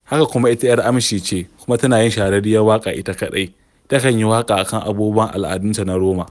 Haka kuma ita 'yar amshi ce kuma tana yin shahararriyar waƙa ita kaɗai, takan yi waƙa a kan abubuwan al'adunta na Roma.